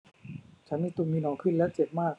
ฉันมีตุ่มมีหนองขึ้นและเจ็บมาก